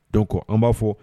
Don kɔ an b'a fɔ